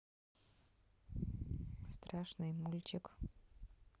страшный мультик